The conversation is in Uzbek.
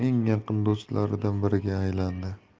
eng yaqin do'stlaridan biriga aylandi